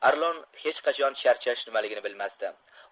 arlon hech qachon charchash nimaligini bilmasdi